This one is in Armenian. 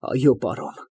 Այո, պարոն։